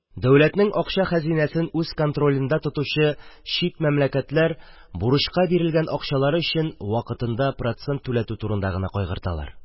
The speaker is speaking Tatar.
Дәүләтнең акча хәзинәсен үз контролендә тотучы чит мәмләкәтләр бурычка бирелгән акчалары өчен вакытында процент түләтү турында гына кайгырталар.